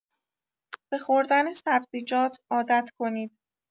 به خوردن سبزیجات عادت کنید.